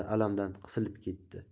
alam dan qisilib ketdi